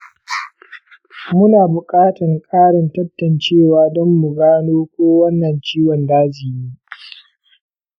muna bukatan karin tantancewa don mu gano ko wannan ciwon daji ne.